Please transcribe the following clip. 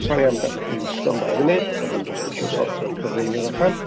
Sori am gadw chi i ddisgwyl am ddau funud, oedden i jyst eisiau sortio'r cyflwynydd allan.